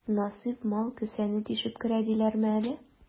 Насыйп мал кесәне тишеп керә диләрме әле?